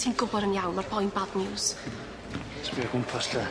Ti'n gwbod yn iawn ma'r boi'n bad news. Sbia gwmpas 'lly.